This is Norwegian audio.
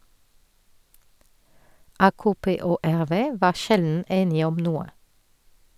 AKP og RV var sjelden enig om noe.